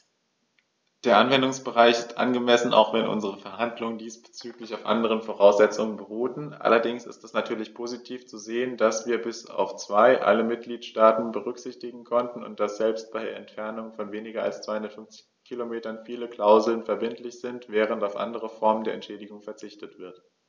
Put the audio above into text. Der Anwendungsbereich ist angemessen, auch wenn unsere Verhandlungen diesbezüglich auf anderen Voraussetzungen beruhten, allerdings ist es natürlich positiv zu sehen, dass wir bis auf zwei alle Mitgliedstaaten berücksichtigen konnten, und dass selbst bei Entfernungen von weniger als 250 km viele Klauseln verbindlich sind, während auf andere Formen der Entschädigung verzichtet wird.